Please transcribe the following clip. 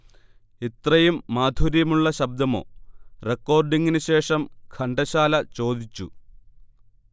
'ഇത്രയും മാധുര്യമുള്ള ശബ്ദമോ' റെക്കോർഡിംഗിന് ശേഷം ഘണ്ടശാല ചോദിച്ചു